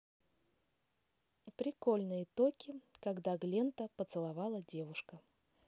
прикольные токи когда глента поцеловала девушка